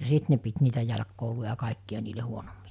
ja sitten ne piti niitä jälkikouluja ja kaikkia niille huonommille